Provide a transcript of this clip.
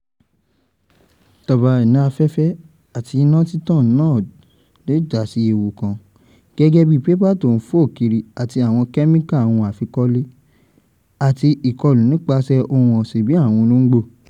Tọ̀báìnì afẹ́fẹ́ àti iná títàn náà le jásí ewu kan, gẹ́gẹ́bí pépà tó ń fo kiri àti àwọn kẹ́míkà ohun àfikọ́lé, àti ìkọ̀lù nípaṣẹ́ ohun ọ̀sìn bíi àwọn olóńgbò.